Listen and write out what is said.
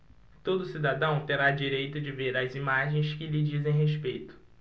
todo cidadão terá direito de ver as imagens que lhe dizem respeito